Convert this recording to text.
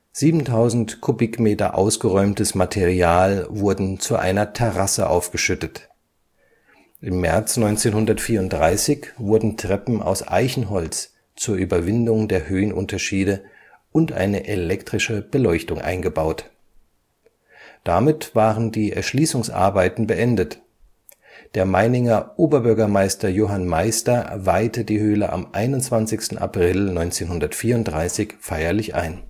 7000 Kubikmeter ausgeräumtes Material wurden zu einer Terrasse aufgeschüttet. Im März 1934 wurden Treppen aus Eichenholz zur Überwindung der Höhenunterschiede und eine elektrische Beleuchtung eingebaut. Damit waren die Erschließungsarbeiten beendet. Der Meininger Oberbürgermeister Johann Meister weihte die Höhle am 21. April 1934 feierlich ein